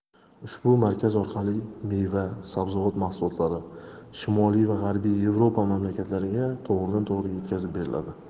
ushbu markaz orqali meva sabzavot mahsulotlari shimoliy va g'arbiy yevropa mamlakatlariga to'g'ridan to'g'ri yetkazib beriladi